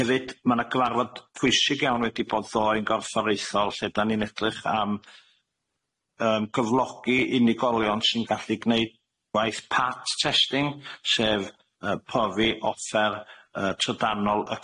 Hefyd ma' na gyfarfod pwysig iawn wedi bod ddoe'n gorfforaethol lle dan ni'n edrych am yym gyflogi unigolion sy'n gallu gneud gwaith pat testing sef yy profi offer yy tydanol y